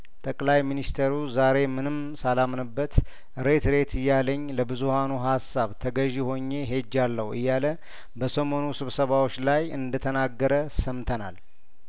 ጠቅላይ ሚኒስተሩ ዛሬ ምንም ሳላምንበት ሬት ሬት እያለኝ ለብዙሀኑ ሀሳብ ተገዥ ሆኜ ሄጃለሁ እያለ በሰሞኑ ስብሰባዎች ላይ እንደተናገረ ሰምተናል